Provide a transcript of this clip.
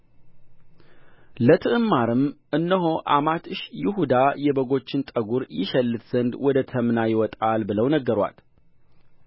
ለትዕማርም እነሆ አማትሽ ይሁዳ የበጎቹን ጠጕር ይሸልት ዘንድ ወደ ተምና ይወጣል ብለው ነገሩአት